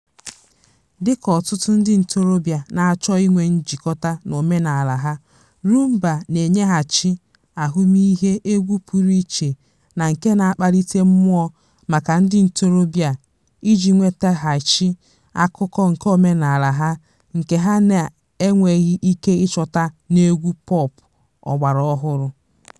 Dịka ọtụtụ ndị ntorobịa na-achọ inwe njikọta n'omenala ha, Rhumba na-enyeghachi ahụmihe egwu pụrụ iche na nke na-akpalite mmụọ maka ndị ntorobịa a iji nwetaghachi akụkụ nke omenala ha nke ha na-enweghị ike ịchọta n'egwu pọp ọgbaraọhụrụ.